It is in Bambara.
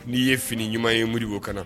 N'i ye fini ɲuman ye moy kɔnɔ na